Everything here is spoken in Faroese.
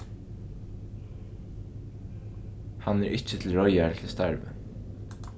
hann er ikki til reiðar til starvið